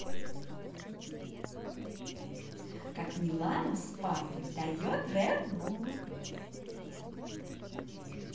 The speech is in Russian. как милана с папой дает red ball